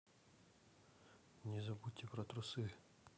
не забудьте про трусы